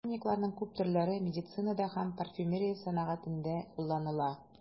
Лишайникларның күп төрләре медицинада һәм парфюмерия сәнәгатендә кулланыла.